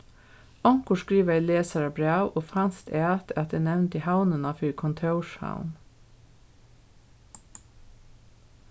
onkur skrivaði lesarabræv og fanst at at eg nevndi havnina fyri kontórshavn